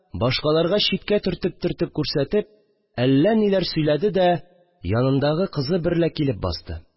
Башкаларга читкә төртеп-төртеп күрсәтеп, әллә ниләр сөйләде дә яннындагы кызы берлә килеп басты